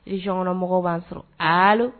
Sonkɔnɔmɔgɔw b'a sɔrɔ hali